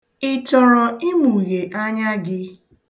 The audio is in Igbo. Ị chọrọ imughe anya gị?